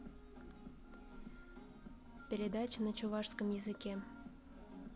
передача на чувашском языке